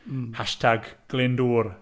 Hashtag Glyndŵr.